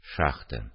Шахта